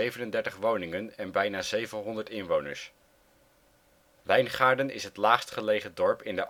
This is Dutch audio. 2008 237 woningen en bijna 700 inwoners. Wijngaarden is het laagstgelegen dorp in